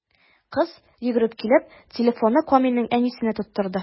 Кыз, йөгереп килеп, телефонны Камилнең әнисенә тоттырды.